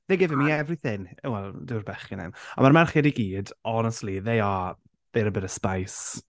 They're giving me everything. Wel dyw'r bechgyn ddim. Ond mae'r merched i gyd honestly they are... they're a bit of spice.